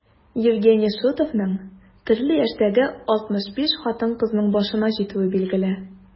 Евгений Шутовның төрле яшьтәге 65 хатын-кызның башына җитүе билгеле.